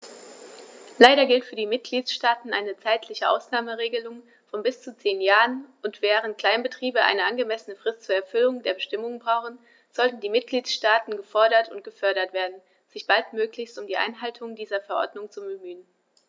Leider gilt für die Mitgliedstaaten eine zeitliche Ausnahmeregelung von bis zu zehn Jahren, und, während Kleinbetriebe eine angemessene Frist zur Erfüllung der Bestimmungen brauchen, sollten die Mitgliedstaaten gefordert und gefördert werden, sich baldmöglichst um die Einhaltung dieser Verordnung zu bemühen.